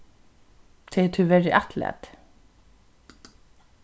tað er tíverri afturlatið